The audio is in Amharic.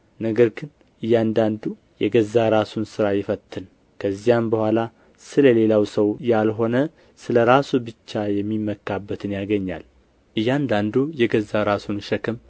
ነገር ግን እያንዳንዱ የገዛ ራሱን ሥራ ይፈትን ከዚያም በኋላ ስለ ሌላው ሰው ያልሆነ ስለ ራሱ ብቻ የሚመካበትን ያገኛል እያንዳንዱ የገዛ ራሱን ሸክም